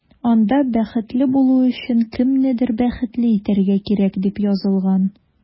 Анда “Бәхетле булу өчен кемнедер бәхетле итәргә кирәк”, дип язылган.